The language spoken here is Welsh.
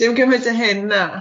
Dim gymaint a hyn na.